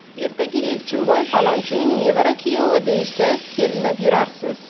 ertaga elchinboy falonchining nevara kuyovi deyishsa kerilib yurarsiz